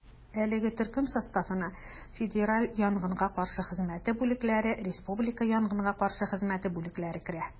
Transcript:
Әлеге төркем составына федераль янгынга каршы хезмәте бүлекләре, республика янгынга каршы хезмәте бүлекләре керә.